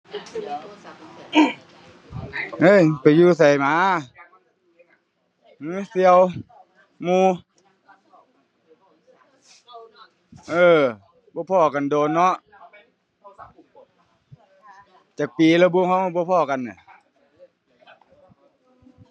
เฮ้ย ไปอยู่ไสมา หือ เสี่ยว หมู่ เอ้อ บ่พ้อกันโดนน้อ จักปีแล้วบุเราบ่พ้อกันเนี่ย